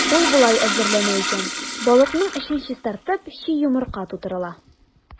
Ул болай әзерләнә икән: балыкның эчен чистартып, чи йомырка тутырыла.